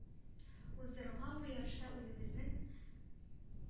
Уздырылган бу ярышта үзебезнең